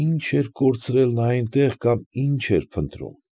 Ի՞նչ էր կորցրել նա այնտեղ կամ ի՞նչ էր փնտրում։